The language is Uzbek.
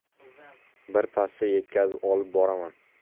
birpasda yetkazib olib boraman